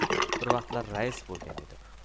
bir vaqtlar rais bo'lgan edi